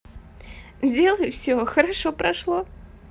делай все хорошо прошло